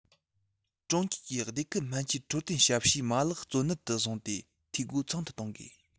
གྲོང ཁྱེར གྱི སྡེ ཁུལ སྨན བཅོས འཕྲོད བསྟེན ཞབས ཞུའི མ ལག གཙོ གནད དུ བཟུང སྟེ འཐུས སྒོ ཚང དུ གཏོང དགོས